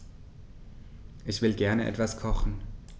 Ich will gerne etwas kochen.